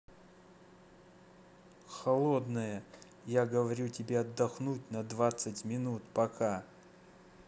холодное я говорю тебе отдохнуть на двадцать минут пока